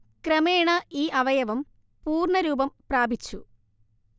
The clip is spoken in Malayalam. ക്രമേണ ഈ അവയവം പൂർണ്ണ രൂപം പ്രാപിച്ചു